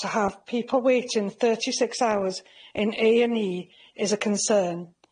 To have people waiting thirty six hours in A&E is a concern.